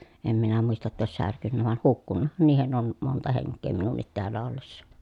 en minä muista jotta olisi särkynyt vain hukkunuthan niihin on monta henkeä minunkin täällä ollessa